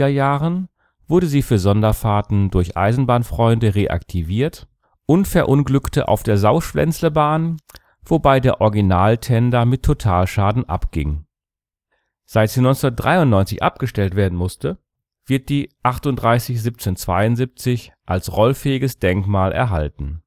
Jahren wurde sie für Sonderfahrten durch Eisenbahnfreunde reaktiviert, und verunglückte auf der Sauschwänzlebahn, wobei der Originaltender mit Totalschaden abging. Seit sie 1993 abgestellt werden musste, wird 38 1772 als rollfähiges Denkmal erhalten